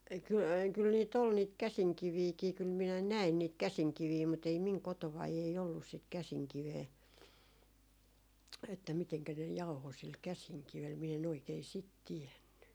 kyllä kyllä niitä oli niitä käsinkiviäkin kyllä minä näin niitä käsinkiviä mutta ei minun kotonani ei ollut sitä käsinkiveä että miten ne jauhoi sillä käsinkivellä minä en oikein sitä tiennyt